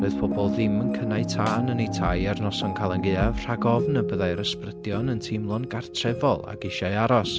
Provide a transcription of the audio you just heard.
Doedd pobl ddim yn cynnau tân yn eu tai ar noson Calan Gaeaf rhag ofn y byddai'r ysbrydion yn teimlo'n gartrefol ac eisiau aros.